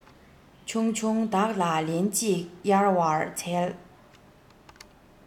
ཆུང ཆུང བདག ལ ལེན ཅིག གཡར བར འཚལ